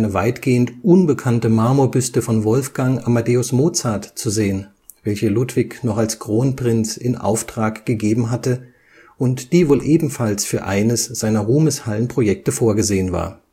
weitgehend unbekannte Marmorbüste von Wolfgang Amadeus Mozart zu sehen, welche Ludwig noch als Kronprinz in Auftrag gegeben hatte und die wohl ebenfalls für eines seiner Ruhmeshallen-Projekte vorgesehen war